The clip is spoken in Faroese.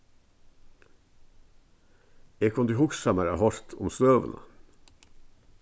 eg kundi hugsað mær at hoyrt um støðuna